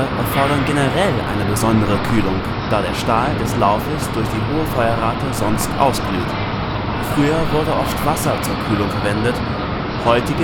erfordern generell eine besondere Kühlung des Laufes, da der Stahl des Laufes durch die hohe Feuerrate sonst ausglüht und verschleißt. Früher wurde oft Wasser zur Kühlung verwendet, heute